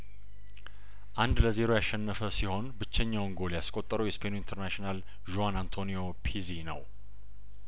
አንድ ለዜሮ ያሸነፈ ሲሆን ብቸኛውን ጐል ያስቆጠረው የስፔኑ ኢንተርናሽናል ዡአን አንቶኒዮ ፒዚ ነው